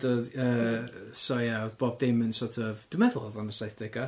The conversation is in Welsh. Ond oedd yy so ia oedd Bob Damon sort of, 'dwi 'n meddwl oedd o yn y saithdegau